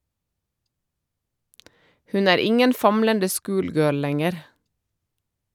Hun er ingen famlende schoolgirl lenger.